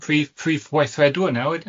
Prif prif waithredwr nawr oed